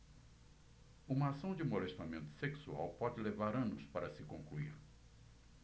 uma ação de molestamento sexual pode levar anos para se concluir